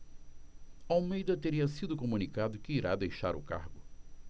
almeida teria sido comunicado que irá deixar o cargo